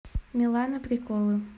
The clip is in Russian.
милана приколы